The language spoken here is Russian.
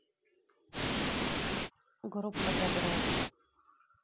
группа добро